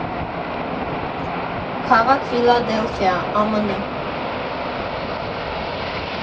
Քաղաք՝ Ֆիլադելֆիա, ԱՄՆ։